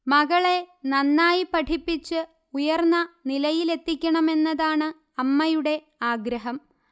മകളെ നന്നായി പഠിപ്പിച്ച് ഉയർന്ന നിലയിലെത്തിക്കണമെന്നതാണ് അമ്മയുടെ ആഗ്രഹം